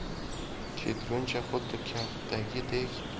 ketguncha xuddi kaftdagidek